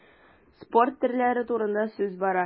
Спорт төрләре турында сүз бара.